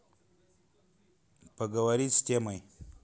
поговорить с темой